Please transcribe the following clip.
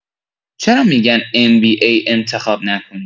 چرا می‌گن MBA انتخاب نکنیم؟